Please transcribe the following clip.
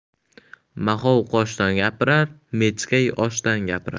moxov qoshdan gapirar mechkay oshdan gapirar